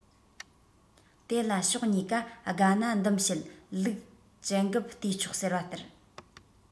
དེ ལ ཕྱོགས གཉིས ཀ དགའ ན སྡུམ བྱེད ལུགས ཇི འགབ བལྟས ཆོག ཟེར བ ལྟར